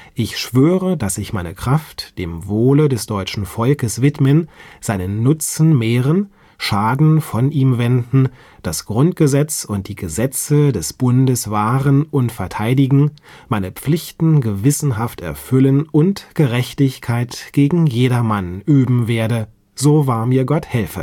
Ich schwöre, dass ich meine Kraft dem Wohle des deutschen Volkes widmen, seinen Nutzen mehren, Schaden von ihm wenden, das Grundgesetz und die Gesetze des Bundes wahren und verteidigen, meine Pflichten gewissenhaft erfüllen und Gerechtigkeit gegen jedermann üben werde. So wahr mir Gott helfe